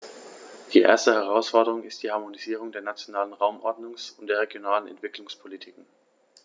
Die erste Herausforderung ist die Harmonisierung der nationalen Raumordnungs- und der regionalen Entwicklungspolitiken.